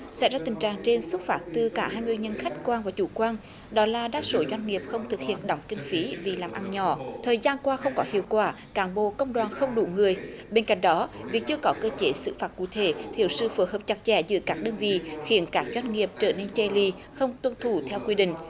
sẽ rất tình trạng trên xuất phát từ cả hai nguyên nhân khách quan và chủ quan đó là đa số doanh nghiệp không thực hiện đóng kinh phí vì làm ăn nhỏ thời gian qua không có hiệu quả cán bộ công đoàn không đủ người bên cạnh đó việc chưa có cơ chế xử phạt cụ thể thiếu sự phối hợp chặt chẽ giữa các đơn vị khiến các doanh nghiệp trở nên chai lỳ không tuân thủ theo quy định